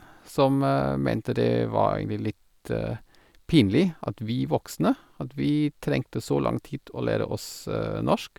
Som mente det var egentlig litt pinlig at vi voksne, at vi trengte så lang tid å lære oss norsk.